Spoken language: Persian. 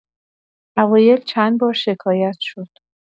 اوایل چند بار شکایت شد.